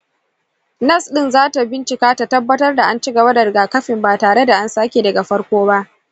nas ɗin zata bincika ta tabbatar da an cigaba da rigakafin ba tare da an sake daga farko ba.